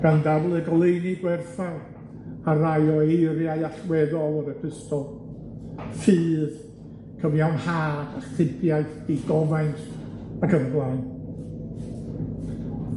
Gan daflu goleuni gwerthfawr ar rai o eiriau allweddol o'r epistol, ffydd cyfiawnhad astudiaeth digofaint ac yn y blaen.